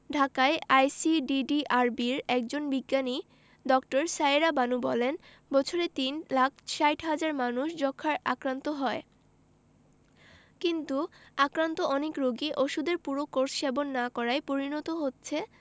ঢাকায় আইসিডিডিআরবির একজন বিজ্ঞানী ড. সায়েরা বানু বলেন বছরে তিন লাখ ৬০ হাজার মানুষ যক্ষ্মায় আক্রান্ত হয় কিন্তু আক্রান্ত অনেক রোগী ওষুধের পুরো কোর্স সেবন না করায় পরিণত হচ্ছে